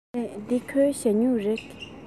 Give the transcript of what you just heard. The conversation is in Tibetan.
རེད འདི ཁོའི ཞ སྨྱུག རེད